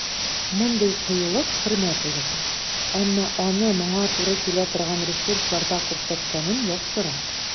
Мондый кыюлык хөрмәт уята, әмма аны моңа туры килә торган ресурсларда күрсәткәнең яхшырак.